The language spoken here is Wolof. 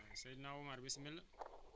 Seydina Omar Bisimilah